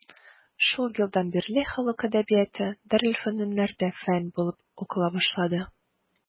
Шул елдан бирле халык әдәбияты дарелфөнүннәрдә фән булып укыла башланды.